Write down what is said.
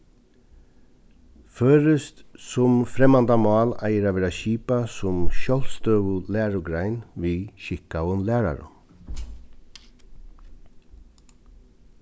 føroyskt sum fremmandamál eigur at verða skipað sum sjálvstøðug lærugrein við skikkaðum lærarum